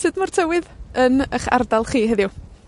sud ma'r tywydd yn 'ych ardal chi heddiw.